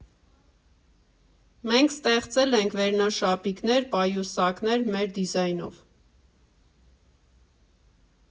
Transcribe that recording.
Մենք ստեղծել ենք վերնաշապիկներ, պայուսակներ մեր դիզայնով։